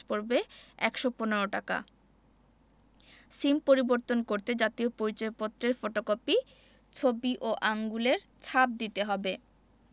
এ জন্য মূল্য সংযোজন কর মূসক সহ খরচ পড়বে ১১৫ টাকা সিম পরিবর্তন করতে জাতীয় পরিচয়পত্রের ফটোকপি ছবি ও আঙুলের ছাপ দিতে হবে